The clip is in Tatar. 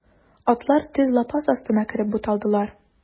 Атлар төз лапас астына кереп буталдылар.